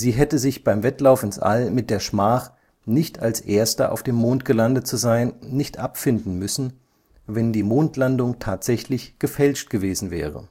hätte sich beim Wettlauf ins All mit der Schmach, nicht als Erster auf dem Mond gelandet zu sein, nicht abfinden müssen, wenn die Mondlandung tatsächlich gefälscht gewesen wäre